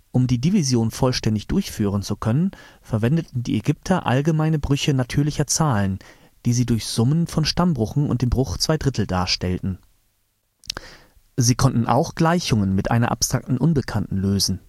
Um die Division vollständig durchführen zu können, verwendeten die Ägypter allgemeine Brüche natürlicher Zahlen, die sie durch Summen von Stammbrüchen und dem Bruch 2/3 darstellten. Sie konnten auch Gleichungen mit einer abstrakten Unbekannten lösen